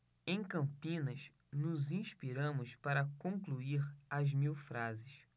em campinas nos inspiramos para concluir as mil frases